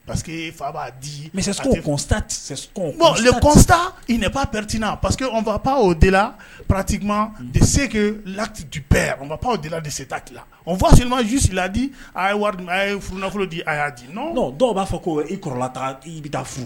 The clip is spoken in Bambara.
Paseke fa b'a di bɔnti pasekeo de la pati de se ka laki bɛɛ de la desetati fɔ senmajusi ladi a a ye f nafolo di a y'a di dɔw b'a fɔ k' i kɔrɔlata i bɛ taa fo